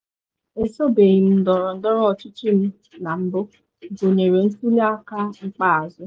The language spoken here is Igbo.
Ezobeghị m ndọrọndọrọ ọchịchị m na mbụ, gụnyere ntuli aka ikpeazụ.